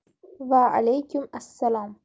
vaalaykum assalom